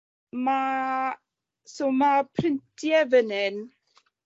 Ma' so ma' printie fyn 'yn